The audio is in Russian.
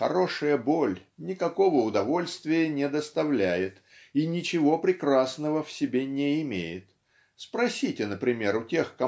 хорошая боль никакого удовольствия не доставляет и ничего прекрасного в себе не имеет -- спросите например у тех